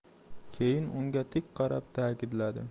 keyin unga tik qarab ta'kidladi